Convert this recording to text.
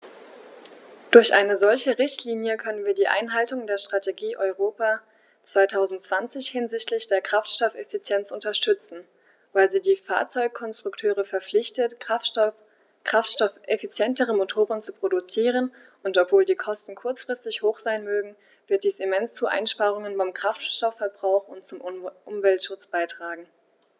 Durch eine solche Richtlinie können wir die Einhaltung der Strategie Europa 2020 hinsichtlich der Kraftstoffeffizienz unterstützen, weil sie die Fahrzeugkonstrukteure verpflichtet, kraftstoffeffizientere Motoren zu produzieren, und obwohl die Kosten kurzfristig hoch sein mögen, wird dies immens zu Einsparungen beim Kraftstoffverbrauch und zum Umweltschutz beitragen.